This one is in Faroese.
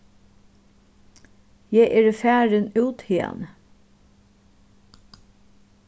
eg eri farin út hiðani